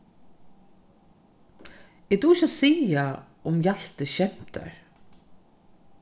eg dugi ikki at siga um hjalti skemtar